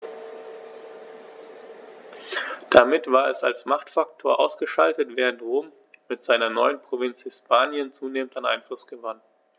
Damit war es als Machtfaktor ausgeschaltet, während Rom mit seiner neuen Provinz Hispanien zunehmend an Einfluss gewann.